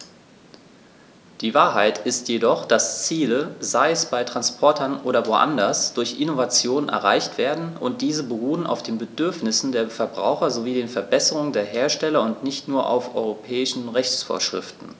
Die Wahrheit ist jedoch, dass Ziele, sei es bei Transportern oder woanders, durch Innovationen erreicht werden, und diese beruhen auf den Bedürfnissen der Verbraucher sowie den Verbesserungen der Hersteller und nicht nur auf europäischen Rechtsvorschriften.